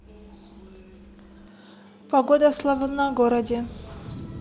погода в славгороде